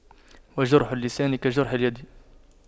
وَجُرْحُ اللسان كَجُرْحِ اليد